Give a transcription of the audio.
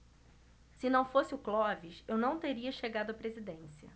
se não fosse o clóvis eu não teria chegado à presidência